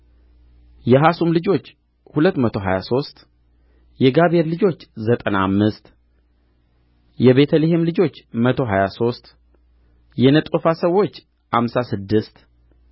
የሐሱም ልጆች ሁለት መቶ ሀያ ሦስት የጋቤር ልጆች ዘጠና አምስት የቤተ ልሔም ልጆች መቶ ሀያ ሦስት የነጦፋ ሰዎች አምሳ ስድስት